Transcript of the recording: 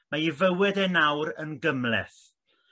Mae ei fywyd e nawr yn gymleth